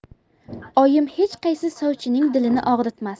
oyim hech qaysi sovchining dilini og'ritmas